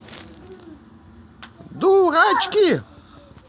дурачки